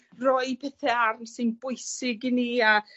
roi petha ar sy'n bwysig i ni a